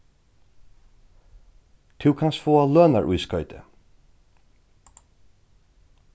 tú kanst fáa lønarískoyti